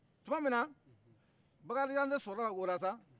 tumaminna bakarijan de sɔrɔla olasa